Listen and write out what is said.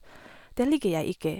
Det liker jeg ikke.